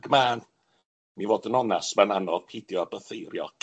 Ac ma'n, i fod yn onast, ma'n anodd pidio â bytheirio